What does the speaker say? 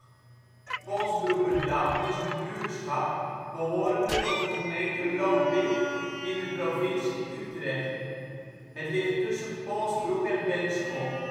buurtschap behorende tot de gemeente Lopik in de provincie Utrecht. Het ligt tussen Polsbroek en Benschop